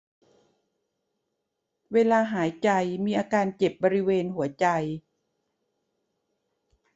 เวลาหายใจมีอาการเจ็บบริเวณหัวใจ